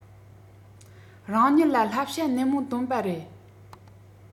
རང ཉིད ལ བླང བྱ ནན མོ འདོན པ རེད